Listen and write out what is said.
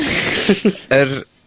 ... Yr